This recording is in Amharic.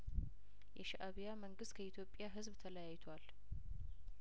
የሻእቢያ መንግስት ከኢትዮጵያ ህዝብ ተለያይቷል